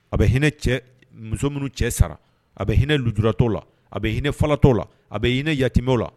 A bɛ hinɛ muso minnu cɛ sara a bɛ hinɛ lujratɔ la a bɛ hinɛinɛfatɔ la a bɛ hinɛinɛ yaw la